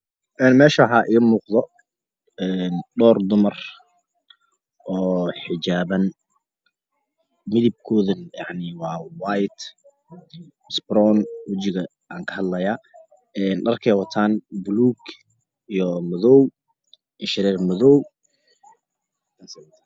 Een meeshaan waxaa ii muuqda een dhoor dumar oo xijaaban midabkooda yacni waa white isabrown wajiga ayaa yacni ka hadlaaya een dharka ay wataa waa buluug iyo madow indho shareer madow